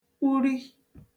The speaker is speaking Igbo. uri